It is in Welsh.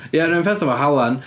Ie, run peth efo halen.